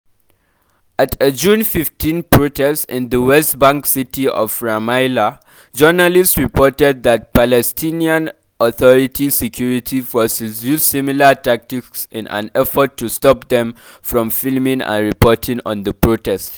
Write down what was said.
At a June 15 protest in the West Bank city of Ramallah, journalists reported that Palestinian Authority security forces used similar tactics in an effort to stop them from filming and reporting on the protest.